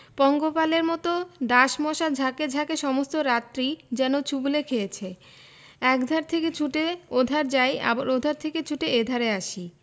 পঙ্গপালের মত ডাঁশ মশা ঝাঁকে ঝাঁকে সমস্ত রাত্রি যেন ছুবলে খেয়েছে একধার থেকে ছুটে ওধার যাই আবার ওধার থেকে ছুটে এধারে আসি